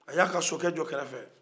a y'a ka sokɛ jɔ kɛrɛ fɛ